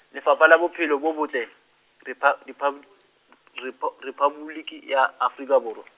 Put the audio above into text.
Lefapha la Bophelo bo Botle, Repha- Rephabo- , Repo-, Rephaboliki ya Afrika Borwa.